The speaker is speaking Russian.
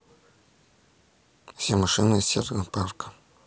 все машины из технопарка